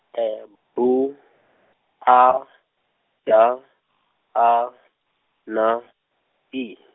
B A D A N I .